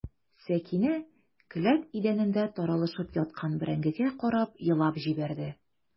Сәкинә келәт идәнендә таралышып яткан бәрәңгегә карап елап җибәрде.